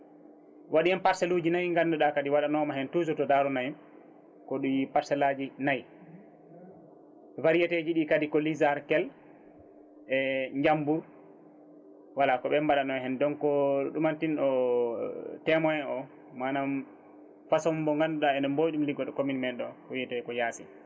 waɗi hen parcelle uji nayyi ɗi ganduɗa kadi waɗanoma hen kadi toujours to Darou Nayyi kooɗi parcelle aji nayyi variété ji ɗi kadi ko liisarkel e jambour voilà ko ɓen mbaɗa no hen donc ɗumantin o témoin o manam façon mo ganduɗa enen mboya ɗum liggodo ɗo commune men ɗon ko wiyeteko yaasin